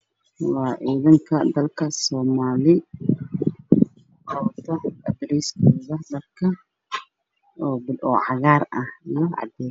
Waa ciidanka dalka soomaaliyeed oo wato dharkooda ciidanka oo cagaar iyo caddaan ah